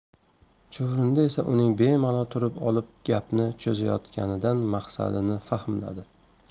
chuvrindi esa uning bemalol turib olib gapni cho'zayotganidan maqsadini fahmladi